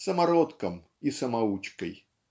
Самородком - и самоучкой.